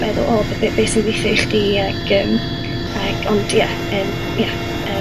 meddwl o be, be' sy'n gwithio i chdi ag yym ag ond ymm ia ymm